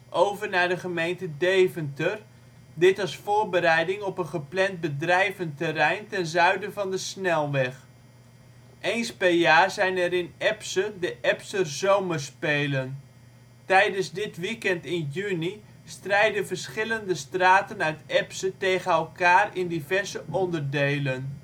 over naar de gemeente Deventer, dit als voorbereiding op een gepland bedrijventerrein ten zuiden van de snelweg. Eens per jaar zijn er in Epse de Epser Zomerspelen. Tijdens dit weekend in juni strijden verschillende straten uit Epse tegen elkaar in diverse onderdelen